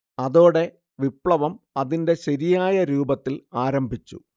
അതോടെ വിപ്ലവം അതിന്റെ ശരിയായ രൂപത്തിൽ ആരംഭിച്ചു